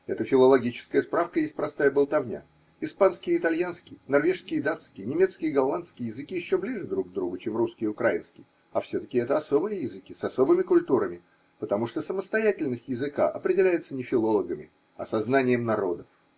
Эта филологическая справка есть простая болтовня: испанский и итальянский, норвежский и датский, немецкий и голландский языки еще ближе друг к другу, чем русский и украинский, а все-таки это особые языки с особыми культурами, потому что самостоятельность языка определяется не филологами, а сознанием народов.